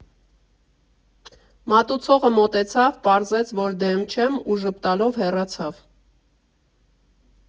Մատուցողը մոտեցավ, պարզեց, որ դեմ չեմ ու ժպտալով հեռացավ։